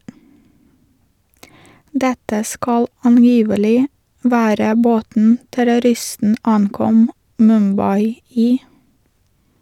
Dette skal angivelig være båten terroristen ankom Mumbai i.